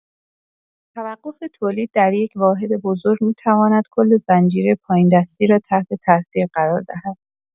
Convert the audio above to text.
توقف تولید در یک واحد بزرگ می‌تواند کل زنجیره پایین‌دستی را تحت‌تأثیر قرار دهد.